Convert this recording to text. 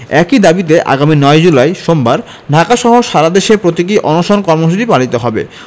একই দাবিতে আগামী ৯ জুলাই সোমবার ঢাকাসহ সারাদেশে প্রতীকী অনশন কর্মসূচি পালিত হবে